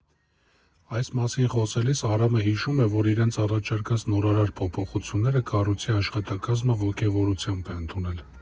Այս մասին խոսելիս Արամը հիշում է, որ իրենց առաջարկած նորարար փոփոխությունները կառույցի աշխատակազմը ոգևորությամբ է ընդունել.